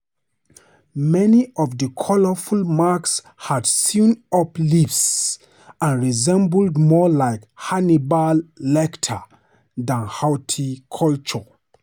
Many of the colorful masks had sewn up lips and resembled more like Hannibal Lecter than haute couture.